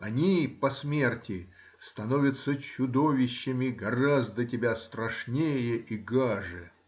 они по смерти становятся чудовищами гораздо тебя страшнее и гаже.